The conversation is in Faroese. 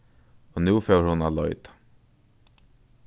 og nú fór hon at leita